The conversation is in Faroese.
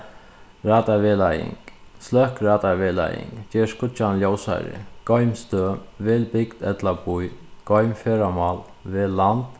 raddarvegleiðing sløkk raddarvegleiðing ger skíggjan ljósari goym støð vel bygd ella bý goym ferðamál vel land